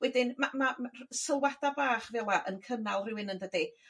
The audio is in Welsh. wedyn ma' ma' m- r- sylwada' bach fela yn cynnal rhywun yndydy?